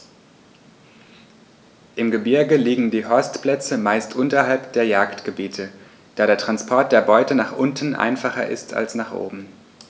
Im Gebirge liegen die Horstplätze meist unterhalb der Jagdgebiete, da der Transport der Beute nach unten einfacher ist als nach oben.